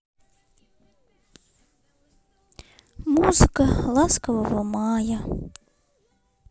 музыка ласкового мая